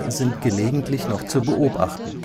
sind gelegentlich noch zu beobachten